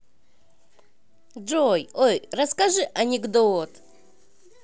джой ой расскажи анекдот